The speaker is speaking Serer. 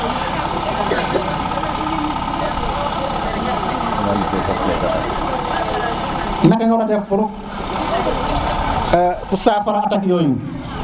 naka nga wara def pour safara attaque: fra yoyu